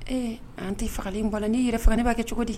Ee an tɛ fagalen bɔra la n'i yɛrɛ fa ne' kɛ cogo di